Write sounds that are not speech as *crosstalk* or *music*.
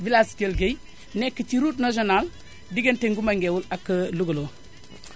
village Kelle Gueye nekk ci route nationale diggante Ngoumba Ngewoul ak *hesitation* Louga Lo